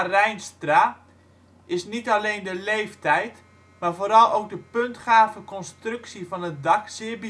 Reinstra is niet alleen de leeftijd, maar vooral ook de puntgave constructie van het dak zeer